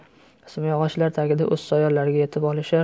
simyog'ochlar tagida o'z soyalariga yetib olishar